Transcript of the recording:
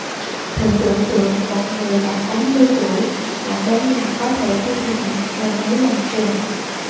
thử tưởng tượng một người đã tám mươi tuổi nhỏ bé lại có thể đi lại ngần ấy dặm trường